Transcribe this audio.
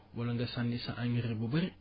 wala nga sànni sa engrais bu bëri